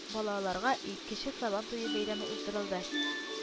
Балаларга и кече сабан туе бәйрәме уздырылды